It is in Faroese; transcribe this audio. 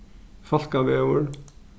falkavegur